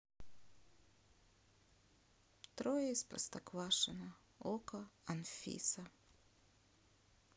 трое из простоквашино око анфиса